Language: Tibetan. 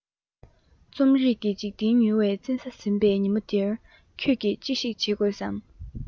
རྩོམ རིག གི འཇིག རྟེན ཉུལ བའི བཙན ས ཟིན པའི ཉིན མོ དེར ཁྱོད ཀྱིས ཅི ཞིག བྱེད དགོས སམ